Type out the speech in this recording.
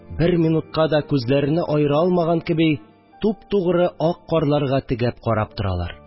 Бер минутка да күзләрене аера алмаган кеби, туп-тугры ак карларга тегәп карап торалар